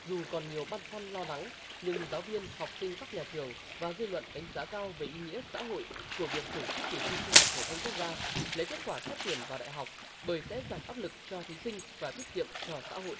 dù còn nhiều băn khoăn lo lắng nhưng giáo viên học sinh các nhà trường và dư luận đánh giá cao về ý nghĩa xã hội của việc tổ chức kỳ thi trung học phổ thông quốc gia lấy kết quả xét tuyển vào đại học bởi sẽ giảm áp lực cho thí sinh và tiết kiệm cho xã hội